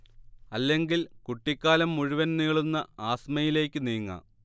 അല്ലെങ്കിൽ കുട്ടിക്കാലം മുഴുവൻ നീളുന്ന ആസ്മയിലേക്ക് നീങ്ങാം